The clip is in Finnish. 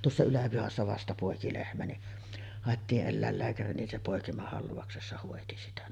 tuossa Yläpihassa vasta poiki lehmä niin haettiin eläinlääkäri niin se poikimahalvauksessa hoiti sitä